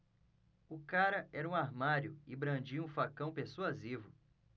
o cara era um armário e brandia um facão persuasivo